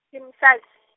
ndi musadz-.